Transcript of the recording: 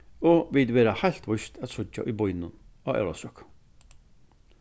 og vit verða heilt víst at síggja í býnum á ólavsøku